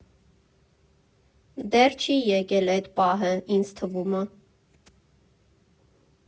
Դեռ չի եկել էդ պահը, ինձ թվում ա։